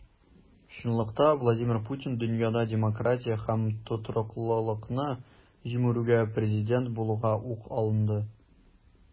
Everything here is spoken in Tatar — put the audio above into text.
Чынлыкта Владимир Путин дөньяда демократия һәм тотрыклылыкны җимерүгә президент булуга ук алынды.